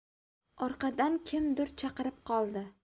orqadan kimdir chaqirib qoldi